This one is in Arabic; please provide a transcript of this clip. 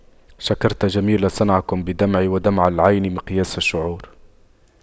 شكرت جميل صنعكم بدمعي ودمع العين مقياس الشعور